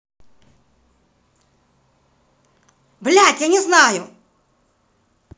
блядь не знаю